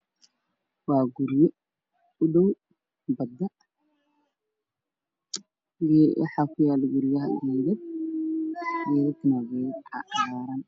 Waa guryo u dhow badda waxaa kuyaalo geedo cagaaran.